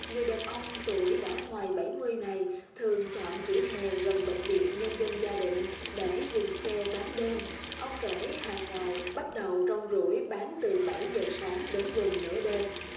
người đàn ông tuổi đã ngoài bảy mươi này thường chọn vỉa hè gần bệnh viện nhân dân gia định để dừng xe bán đêm ông kể hằng ngày bắt đầu rong ruổi bán từ bảy giờ sáng đến gần nửa đêm